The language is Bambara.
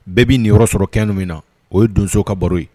Bɛɛ b'i nin yɔrɔ sɔrɔ kɛ min na o ye donso ka baro ye